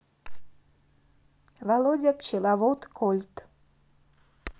володя пчеловод кольт